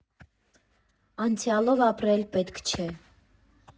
Անցյալով ապրել պետք չէ։